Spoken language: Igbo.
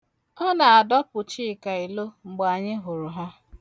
Ọ na-adọpụ Chika ilo mgbe anyị hụrụ ha.